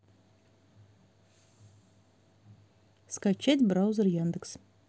скачать браузер яндекс